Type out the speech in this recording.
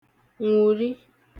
nwụ̀ri